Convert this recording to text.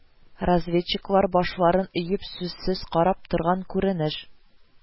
Разведчиклар башларын иеп, сүзсез карап торган күренеш